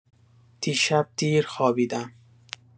دیشب دیر خوابیدم.